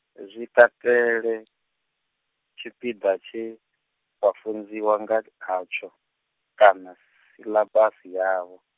zwikateli, tshipiḓa tshe, vha funziwa nga hatsho, kana, siḽabasi yavho.